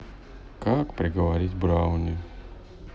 как приготовить брауни